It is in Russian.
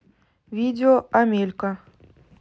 видео амелька